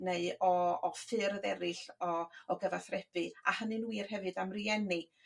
neu o o ffyrdd eryll o o gyfathrebu, a hynny'n wir hefyd am rieni.